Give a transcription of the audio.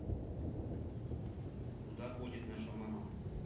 куда ходит наша мама